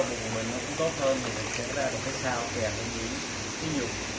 đồng thời cơ bụng cũng khỏe hơn rồi sẽ ra được sound kèn ưng ý